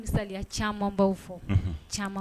Misaya caman' fɔ caman